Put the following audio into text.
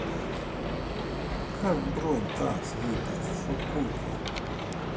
как бронь танцы выбить скуки